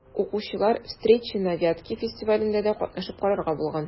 Укучылар «Встречи на Вятке» фестивалендә дә катнашып карарга булган.